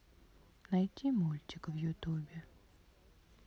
найди мультик в ютубе